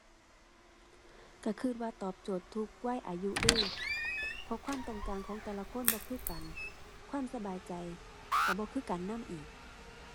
ก็ก็ว่าตอบโจทย์ทุกวัยอายุเดะ เพราะความต้องการของแต่ละคนบ่คือกัน ความสบายใจก็บ่คือกันนำอีก